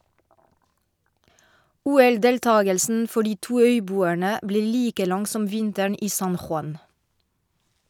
OL-deltagelsen for de to øyboerne ble like lang som vinteren i San Juan.